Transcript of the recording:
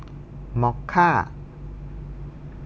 มอคค่า